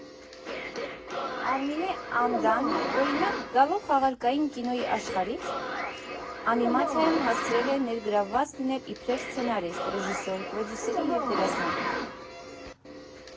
Արմինե Անդան, օրինակ, գալով խաղարկային կինոյի աշխարհից, անիմացիայում հասցրել է ներգրավված լինել իբրև սցենարիստ, ռեժիսոր, պրոդյուսեր և դերասան։